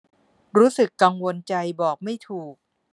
รู้สึกกังวลใจบอกไม่ถูก